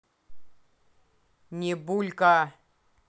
не булька